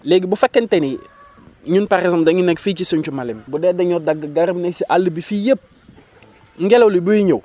léegi bu fekkente ni ñun par exemple dañu nekk fii ci Sinthiou Malem bu dee dañoo dagg garab yi ne si àll bi fii yëpp ngelaw li buy ñëw